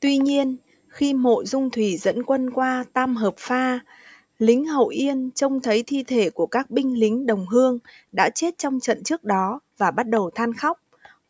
tuy nhiên khi mộ dung thùy dẫn quân qua tham hợp pha lính hậu yên trông thấy thi thể của các binh lính đồng hương đã chết trong trận trước đó và bắt đầu than khóc